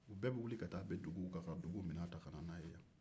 u bɛɛ bɛ wuli ka taa bin duguw kan ka duguw minɛnw ta ka na n'a ye yan